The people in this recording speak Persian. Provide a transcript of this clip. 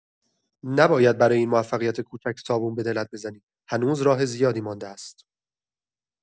نباید برای این موفقیت کوچک صابون به دلت بزنی، هنوز راه زیادی مانده است.